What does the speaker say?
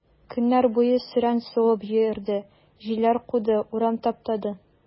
Көннәр буе сөрән сугып йөрде, җилләр куды, урам таптады.